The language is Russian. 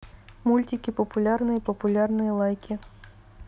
мультики популярные популярные лайки